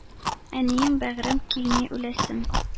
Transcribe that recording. Әнием, бәгърем, килми үләсем!..